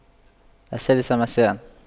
السادسة مساءا